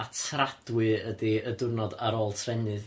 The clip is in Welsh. A tradwy ydi y diwrnod ar ôl trennydd.